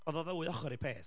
oedd 'na ddwy ochr i peth.